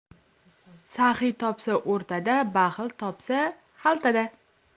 saxiy topsa o'rtada baxil topsa xaltada